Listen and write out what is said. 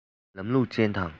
ལམ ལུགས ཅན དང